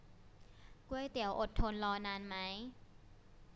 ก๋วยเตี๋ยวอดทนรอนานไหม